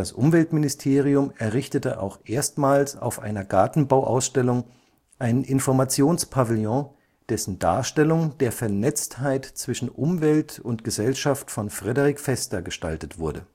Umweltministerium errichtete auch erstmals auf einer Gartenbauausstellung einen Informations-Pavillon, dessen Darstellung der Vernetztheit zwischen Umwelt und Gesellschaft von Frederic Vester gestaltet wurde